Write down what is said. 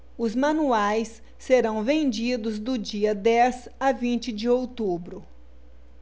os manuais serão vendidos do dia dez a vinte de outubro